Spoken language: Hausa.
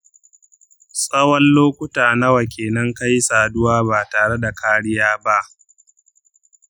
tsawon lokuta nawa kenan ka yi saduwa ba tare da kariya ba?